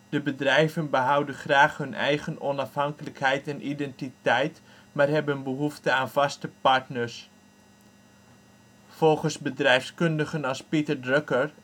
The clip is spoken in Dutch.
de bedrijven behouden graag hun eigen onafhankelijkheid en identiteit, maar hebben behoefte aan vaste partners (samenwerkingsmotief) Volgens bedrijfskundigen als Peter Drucker